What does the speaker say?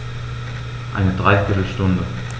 Eine dreiviertel Stunde